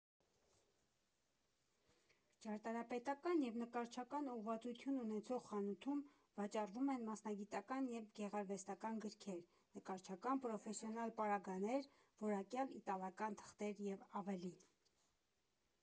Ճարտարապետական և նկարչական ուղղվածություն ունեցող խանութում վաճառվում են մասնագիտական և գեղարվեստական գրքեր, նկարչական պրոֆեսիոնալ պարագաներ, որակյալ իտալական թղթեր և ավելին։